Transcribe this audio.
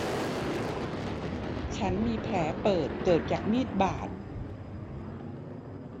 ฉันมีแผลเปิดเกิดจากมีดบาด